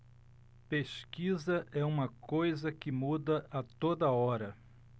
pesquisa é uma coisa que muda a toda hora